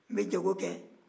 n bɛ jago kɛ